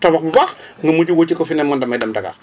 tabax bu baax mu mujj wóccu ko i ne man damay dem Dakar